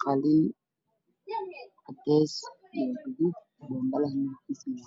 koodu yahay caddays cadaan meesha ay yaalaan waa carwo